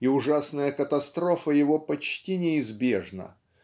и ужасная катастрофа его почти неизбежна